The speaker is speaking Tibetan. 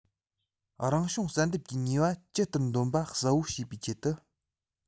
རང བྱུང བསལ འདེམས ཀྱིས ནུས པ ཇི ལྟར འདོན པ གསལ པོ བྱེད པའི ཆེད དུ